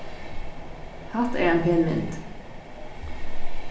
hatta er ein pen mynd